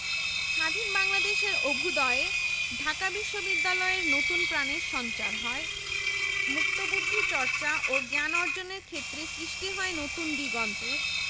P J Hartog ১৯২২ ২৩ সালে বার্ষিক court meeting এ ঢাকা বিশ্ববিদ্যালয়ের এক বছরের কৃতিত্ব নিয়ে গর্ব প্রকাশ করেন